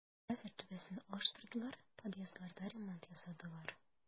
Хәзер түбәсен алыштырдылар, подъездларда ремонт ясадылар.